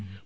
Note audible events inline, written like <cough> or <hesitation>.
<hesitation> <hesitation>